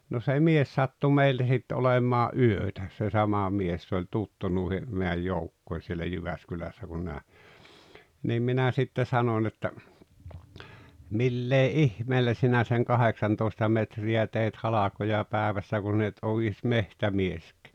no se mies sattui meillä sitten olemaan yötä se sama mies se oli tuttu noihin meidän joukkoihin siellä Jyväskylässä kun nämä niin minä sitten sanoin että millä ihmeellä sinä sen kahdeksantoista metriä teit halkoja päivässä kun sinä et ole edes metsämieskään